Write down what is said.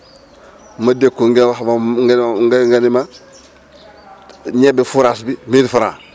ma dégg ko nga wax moom nga ni ma ñebe forage bi 1000F